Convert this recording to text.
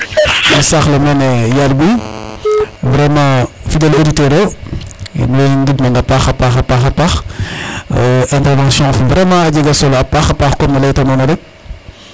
no saxle mene Yarguy vraiment fidéle auditeur i way ngid mna a paxa paxa paax intervention of vraiment a jega solo a paxa paxa paax comme ne leyta nona rek